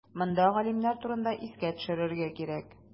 Монда галимнәр турында искә төшерергә кирәк.